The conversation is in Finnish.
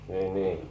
niin niin